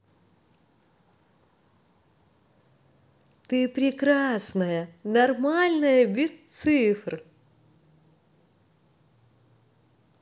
ты прекрасная нормальная без цифр